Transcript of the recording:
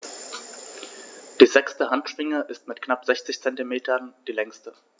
Die sechste Handschwinge ist mit knapp 60 cm die längste.